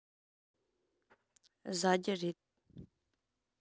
ཟ རྒྱུ རེད